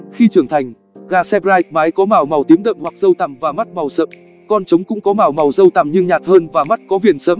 khi trưởng thành gà sebright mái có mào màu tím đậm hoặc dâu tằm và mắt màu sậm con trống cũng có mào màu dâu tằm nhưng nhạt hơn và mắt có viền sẫm